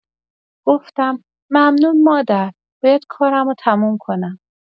گفتم: «ممنون مادر، باید کارمو تموم کنم.»